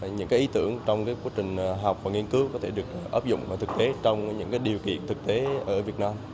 mà những cái ý tưởng trong cái quá trình học và nghiên cứu có thể được áp dụng vào thực tế trong cái điều kiện thực tế ở việt nam